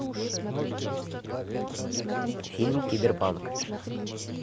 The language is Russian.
фильм киберпанк